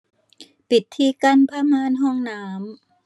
ปิดที่กั้นผ้าม่านห้องน้ำ